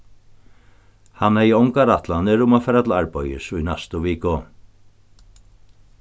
hann hevði ongar ætlanir um at fara til arbeiðis í næstu viku